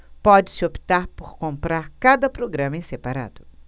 pode-se optar por comprar cada programa em separado